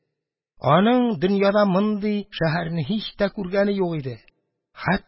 Аның дөньяда мондый шәһәрне һич тә күргәне юк иде.